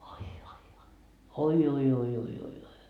oi oi oi oi oi oi oi oi